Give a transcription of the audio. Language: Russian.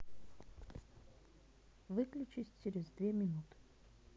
выключись через две минуты